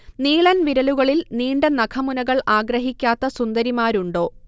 നീളൻ വിരലുകളിൽ നീണ്ട നഖമുനകൾ ആഗ്രഹിക്കാത്ത സുന്ദരിമാരുണ്ടോ